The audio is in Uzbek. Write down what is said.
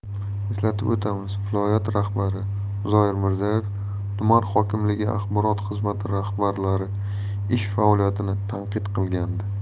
eslatib o'tamiz viloyat rahbari zoir mirzayev tuman hokimligi axborot xizmati rahbarlari ish faoliyatini tanqid qilgandi